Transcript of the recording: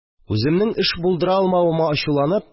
Үземнең эш булдыра алмавыма ачуланып